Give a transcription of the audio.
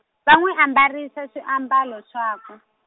va nwi ambarisa swiambalo swakwe.